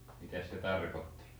mitäs se tarkoitti